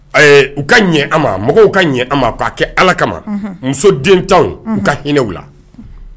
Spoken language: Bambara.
U ka ɲɛ a ma mɔgɔw ka ɲɛ a ma k' a kɛ ala kama muso dentanw ka hinɛw la